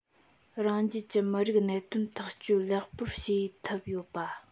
རང རྒྱལ གྱི མི རིགས གནད དོན ཐག གཅོད ལེགས པར བྱས ཐུབ ཡོད པ